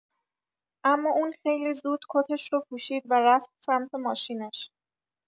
اما اون خیلی زود کتش رو پوشید و رفت سمت ماشینش.